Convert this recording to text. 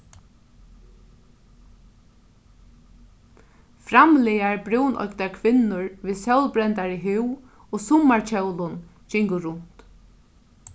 framligar brúnoygdar kvinnur við sólbrendari húð og summarkjólum gingu runt